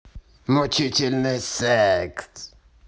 мучительный секс